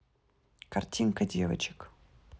картинка девочек